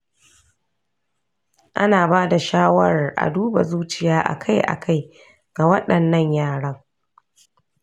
ana ba da shawarar a duba zuciya akai-akai ga waɗannan yaran.